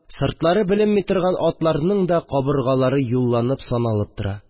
Сыртлары беленми торган атларның да кабыргалары юлланып-саналып тора